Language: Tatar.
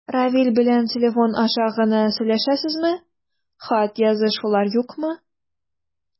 Равил белән телефон аша гына сөйләшәсезме, хат язышулар юкмы?